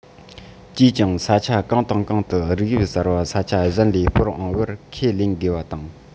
ཅིས ཀྱང ས ཆ གང དང གང དུ རིགས དབྱིབས གསར པ ས ཆ གཞན ལས སྤོར འོངས པར ཁས ལེན དགོས པ དང